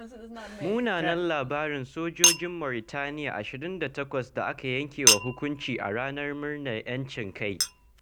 Mummunan labarin sojojin Mauritaniya 28 da aka yankewa hukunci a Ranar Murnar 'Yancin Kai.